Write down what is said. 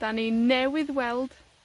'Dan ni newydd weld